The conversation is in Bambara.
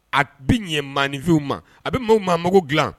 A bɛ ɲɛ maninfinw ma, a bɛ maaw maa mago dilan